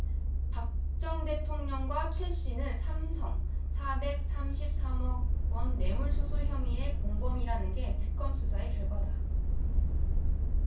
박 전 대통령과 최씨는 삼성 사백 삼십 삼 억원 뇌물수수 혐의의 공범이라는 게 특검 수사 결과다